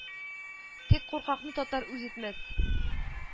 Тик куркакны татар үз итмәс